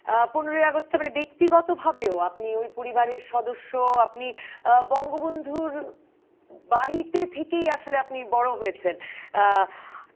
১৫ ই আগস্ট মানে ব্যক্তিগতভাবেও আপনি ওই পরিবারের সদস্য আপনি বঙ্গবন্ধুর বাড়িতে থেকেই আসলে আপনি বড় হয়েছেন